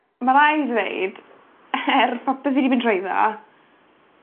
Ma' rai' ddeud er popeth fi 'di mynd trwyddo